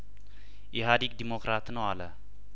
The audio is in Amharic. ኢህአዲግ ዲሞክራት ነው አለ